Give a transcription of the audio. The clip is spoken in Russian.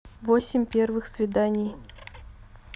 восемь первых свиданий